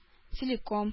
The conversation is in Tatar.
Целиком